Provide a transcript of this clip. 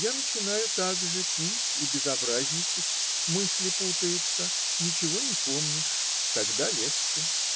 Я начинаю также пить и безобразничать, мысли путаются, ничего не помнишь. Тогда - легче.